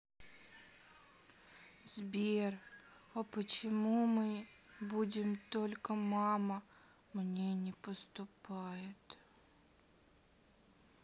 сбер а почему мы будем только мама мне не поступает